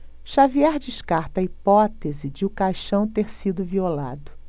xavier descarta a hipótese de o caixão ter sido violado